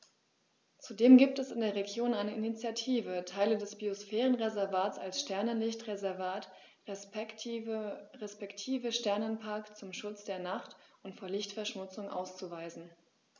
Zudem gibt es in der Region eine Initiative, Teile des Biosphärenreservats als Sternenlicht-Reservat respektive Sternenpark zum Schutz der Nacht und vor Lichtverschmutzung auszuweisen.